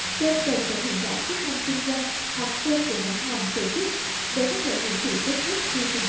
vì vậy tên cần thể hiện rõ chức năng kinh doanh hoặc tên của nhãn hàng tổ chức để có thể hiển thị tôt nhất khi tìm kiếm